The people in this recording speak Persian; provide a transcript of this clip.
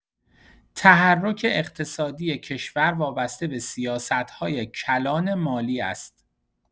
تحرک اقتصادی کشور وابسته به سیاست‌های کلان مالی است.